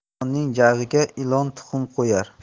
yomonning jag'iga ilon tuxum qo'yar